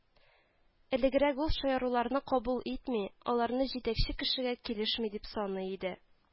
Элегрәк ул шаяруларны кабул итми, аларны җитәкче кешегә килешми дип саный иде